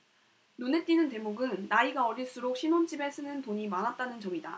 눈에 띄는 대목은 나이가 어릴수록 신혼집에 쓰는 돈이 많았다는 점이다